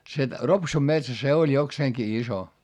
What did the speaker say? se Ropsun metsä se oli jokseenkin iso